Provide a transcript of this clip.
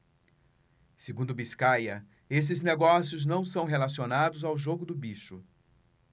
segundo biscaia esses negócios não são relacionados ao jogo do bicho